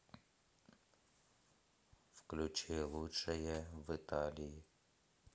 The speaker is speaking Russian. включи лучшее в италии